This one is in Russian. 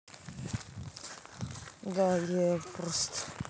да епрст